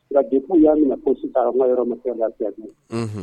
Siradimu y'a minɛ kosikarama yɔrɔ'ku